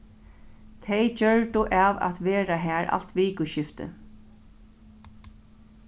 tey gjørdu av at vera har alt vikuskiftið